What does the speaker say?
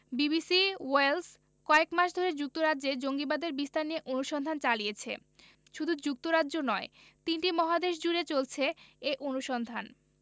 BBC Wales কয়েক মাস ধরে যুক্তরাজ্যে জঙ্গিবাদের বিস্তার নিয়ে অনুসন্ধান চালিয়েছে শুধু যুক্তরাজ্য নয় তিনটি মহাদেশজুড়ে চলেছে এই অনুসন্ধান